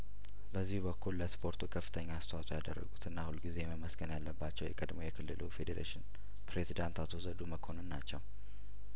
በዚህ በኩል ለስፖርቱ ከፍተኛ አስተዋጽኦ ያደረጉትና ሁልጊዜም መመስገን ያለባቸው የቀድሞ የክልሉ ፌዴሬሽን ፕሬዚዳንት አቶ ዘውዱ መኮንን ናቸው